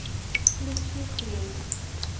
включи хрень